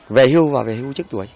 về hưu và về hưu trước tuổi